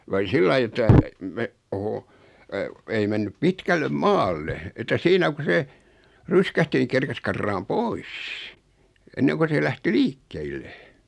kun oli sillä lailla että - oho ei mennyt pitkälle maalle että siinä kun se ryskähti niin kerkisi karkaamaan pois ennen kuin se lähti liikkeille